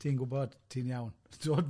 Ti'n gwybod, ti'n iawn.